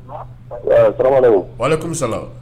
Ne kɔmisa